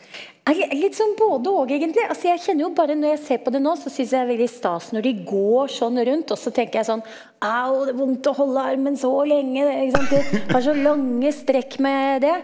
ei litt sånn både og egentlig, altså jeg kjenner jo bare når jeg ser på det nå så synes jeg det er veldig stas når de går sånn rundt, og så tenker jeg sånn, au det er vondt å holde armen så lenge det ikke sant, de har så lange strekk med det.